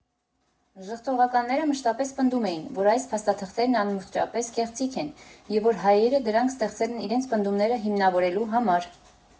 Ժխտողականները մշտապես պնդում էին, որ այս փաստաթղթերն ամբողջապես կեղծիք են, և որ հայերը դրանք ստեղծել են իրենց պնդումները հիմնավորելու համար։